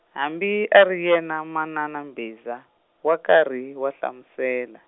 hambi a ri yena manana Mbhiza, wa karhi, wa hlamusela.